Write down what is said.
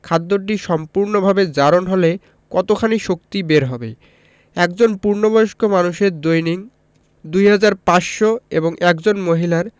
খাদ্যটি সম্পূর্ণভাবে জারণ হলে কতখানি শক্তি বের হবে একজন পূর্ণবয়স্ক মানুষের দৈনিক ২৫০০ এবং একজন মহিলার